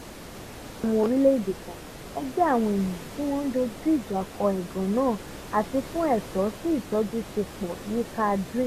Ní àwọn orílẹ̀-èdè kan ẹgbẹ́ àwọn èèyàn tí wọ́n ń dojú ìjà kọ ẹ̀gàn náà àti fún ẹ̀tọ́ sí ìtọ́jú tí pọ̀ yíká DREAM.